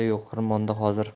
yo'q xirmonda hozir